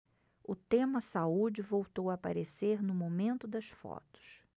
o tema saúde voltou a aparecer no momento das fotos